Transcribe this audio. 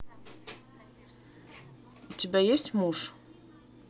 у тебя есть муж